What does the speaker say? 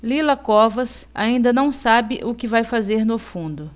lila covas ainda não sabe o que vai fazer no fundo